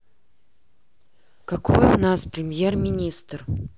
какой у нас премьер министр